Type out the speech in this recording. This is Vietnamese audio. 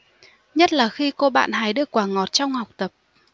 nhất là khi cô bạn hái được quả ngọt trong học tập